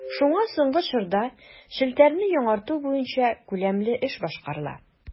Шуңа соңгы чорда челтәрне яңарту буенча күләмле эш башкарыла.